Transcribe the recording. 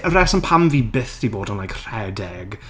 Y rheswm pam fi byth 'di bod yn like rhedeg